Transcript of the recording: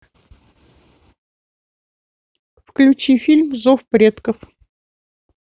включи фильм зов предков